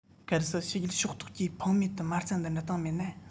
གལ སྲིད ཕྱི རྒྱལ ཕྱོགས གཏོགས ཀྱིས ཕང མེད དུ མ རྩ འདི འདྲ བཏང མེད ན